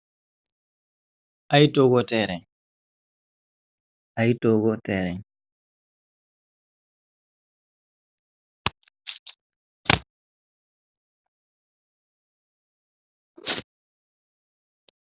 Ay toogo teren, ay toogo teren.